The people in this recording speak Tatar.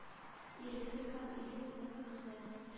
Ирексез һәм илсез — мин үксез.